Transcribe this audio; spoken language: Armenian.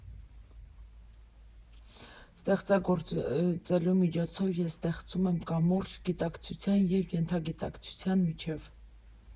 «Ստեղծագործելու միջոցով ես ստեղծում եմ կամուրջ գիտակցության և ենթագիտակցության միջև։